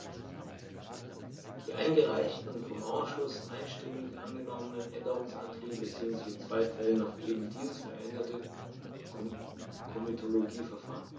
Die eingereichten und vom Ausschuss einstimmig angenommenen Änderungsanträge beziehen sich in zwei Fällen auf eben dieses veränderte Komitologieverfahren.